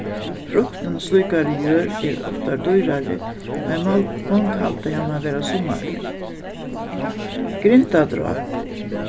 fruktin í slíkari jørð er ofta dýrari men mong halda hana vera sunnari grindadráp